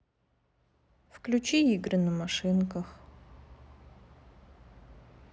включи игры на машинках